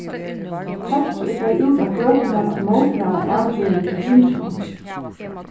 fólkið er farið út á gøturnar at mótmæla avgerðini hjá tinginum